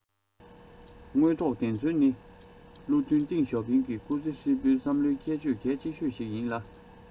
དངོས ཐོག བདེན འཚོལ ནི བློ མཐུན ཏེང ཞའོ ཕིང གི སྐུ ཚེ ཧྲིལ པོའི བསམ བློའི ཁྱད ཆོས གལ ཆེ ཤོས ཤིག ཡིན ལ